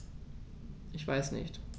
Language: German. Ich weiß nicht.